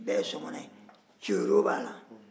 nin bɛɛ ye sɔmɔnɔ ye cero b'a la